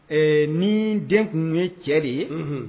Ɛɛ ni den tun ye cɛ de ye